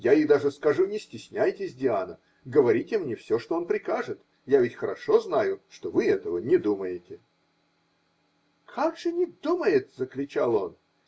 Я ей даже скажу: не стесняйтесь, Диана, говорите мне все, что он прикажет, -- я ведь хорошо знаю, что вы этого не думаете. -- Как же не думает? -- закричал он.